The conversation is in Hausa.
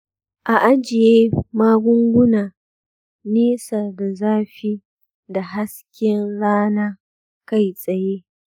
a ajiye magunguna nesa da zafi da hasken rana kai tsaye.